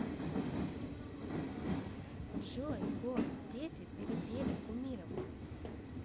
джой голос дети перепели кумиров